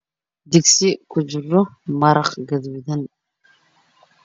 Halkaan waxaa ka muuqdo digsi qalin ah oo uu ku jiro maraq gaduudan